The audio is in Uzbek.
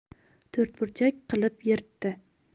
to'rtburchak qilib yirtdi